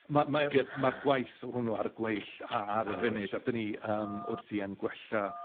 Ma' mae'r... Gy... ...mae'r gwaith hwnnw a- ar y gweill ar y funud a 'dyn ni yym wrthi yn gwella